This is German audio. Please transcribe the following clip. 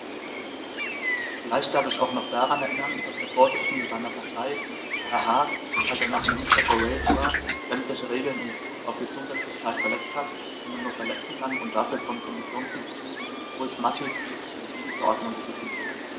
Vielleicht darf ich ihn auch daran erinnern, dass der Vorsitzende seiner Partei, Herr Hague, als er noch Minister für Wales war, sämtliche Regeln in bezug auf die Zusätzlichkeit verletzt hat, die man nur verletzen kann, und dafür von Kommissionsmitglied Wulf-Mathies schriftlich entschieden zur Ordnung gerufen wurde.